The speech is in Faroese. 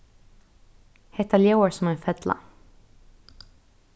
hetta ljóðar sum ein fella